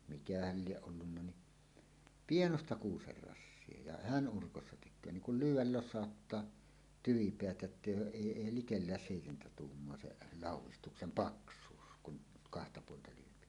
mikähän lie ollut niin pienoista kuusen rassia ja hän urkossa tekee niin kuin lyödä losauttaa tyvipäät jotta ei ole ei ei likellä seitsemää tuumaa se laudistuksen paksuus kun kahta puolta lyö